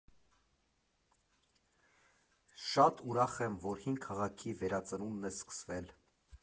Շատ ուրախ եմ, որ հին քաղաքի վերածնունդն է սկսվել։